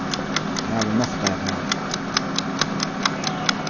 maðurin noktaði at fara